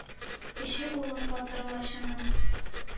Кече улым, батыр лачыным.